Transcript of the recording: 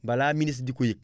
balaa ministre di ko yëg